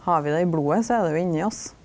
har vi det i blodet så er det jo inni oss.